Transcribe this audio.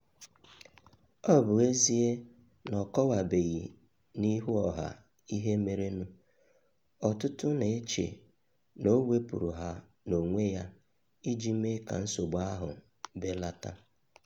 Ọ bụ ezie na ọ kọwabeghị n'ihu ọha ihe merenụ, ọtụtụ na-eche na o wepụrụ ha n'onwe ya iji mee ka nsogbu ahụ belata.